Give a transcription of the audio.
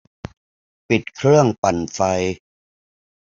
ปิดเครื่องปั่นไฟ